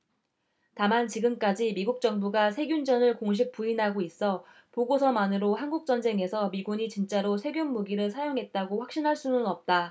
다만 지금까지 미국 정부가 세균전을 공식 부인하고 있어 보고서만으로 한국전쟁에서 미군이 진짜로 세균무기를 사용했다고 확신할 수는 없다